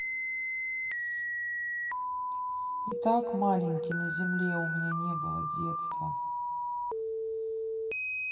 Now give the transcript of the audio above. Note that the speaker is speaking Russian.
итак маленький на земле у меня не было детства